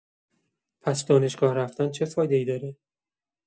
پس دانشگاه رفتن چه فایده‌ای داره؟